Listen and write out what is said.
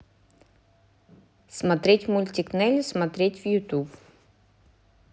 смотреть мультик нелли смотреть в ютуб